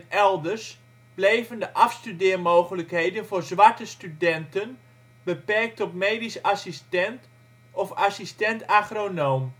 elders - bleven de afstudeermogelijkheden voor zwarte studenten beperkt tot medisch assistent of assistent-agronoom